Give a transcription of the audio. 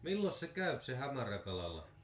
milloinkas se käy se hamarakalalla